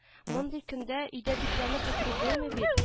Мондый көндә өйдә бикләнеп утырып булмый бит